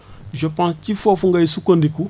je pense ci foofu ngay sukkandiku